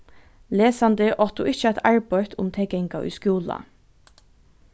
lesandi áttu ikki at arbeitt um tey ganga í skúla